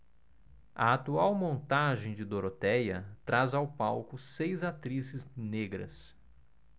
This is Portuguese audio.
a atual montagem de dorotéia traz ao palco seis atrizes negras